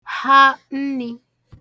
ha nnī